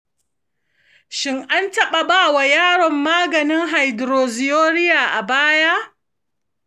shin an taɓa bawa yaron maganin hydroxyurea a baya?